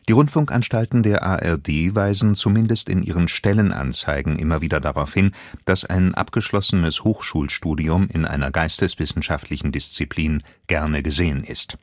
Rundfunkanstalten der ARD weisen zumindest in ihren Stellenanzeigen immer wieder darauf hin, dass ein abgeschlossenes Hochschulstudium in einer geisteswissenschaftlichen Disziplin gerne gesehen ist